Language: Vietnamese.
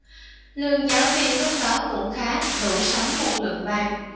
lương giáo viên lúc đó cũng khá đủ sắm một lượng vàng